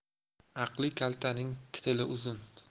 aqli kaltaning till uzun